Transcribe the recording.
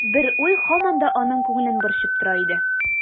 Бер уй һаман да аның күңелен борчып тора иде.